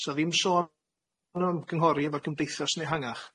s'a ddim sôn am ymgynghori efo'r gymdeithas yn ehangach,